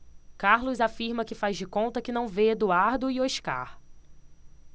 carlos afirma que faz de conta que não vê eduardo e oscar